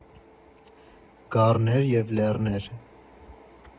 Գառներ և լեռներ։